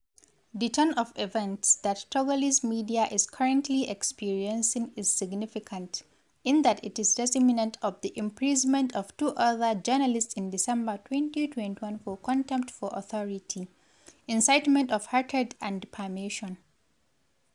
The turn of events that Togolese media is currently experiencing is significant, in that it is reminiscent of the imprisonment of two other journalists in December 2021 for contempt for authority, incitement of hatred and defamation.